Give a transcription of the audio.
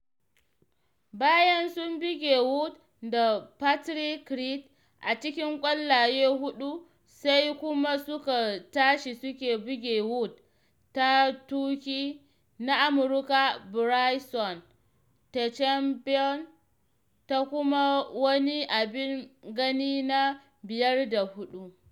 Bayan sun buge Woods da Patrick Reed a cikin ƙwallaye huɗun sai kuma suka tashi suke buge Woods da rookie na Amurka Bryson Dechambeau ta kuma wani abin gani na 5 da 4.